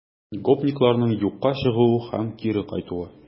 Гопникларның юкка чыгуы һәм кире кайтуы